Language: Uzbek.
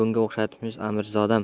bunga o'xshatmishsiz amirzodam